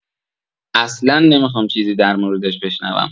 اصلا نمیخوام چیزی درموردش بشنوم.